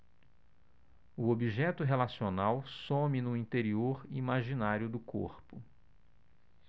o objeto relacional some no interior imaginário do corpo